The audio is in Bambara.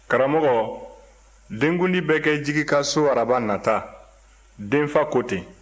karamɔgɔ denkundi bɛ kɛ jigi ka so araba nata denfa ko ten